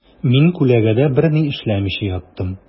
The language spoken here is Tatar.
Мин күләгәдә берни эшләмичә яттым.